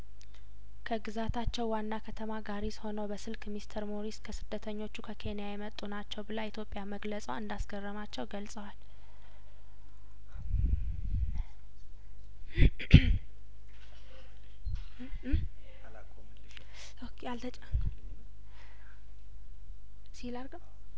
ከግዛታቸው ዋና ከተማ ጋሪ ስሆነው በስልክ ሚስተር ሞሪስ ከስደተኞቹ ከኬንያ የመጡ ናቸው ብላ ኢትዮጵያ መግለጿ እንዳስ ገረማቸው ገልጸዋል